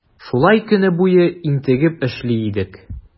Шулай көне буе интегеп эшли идек.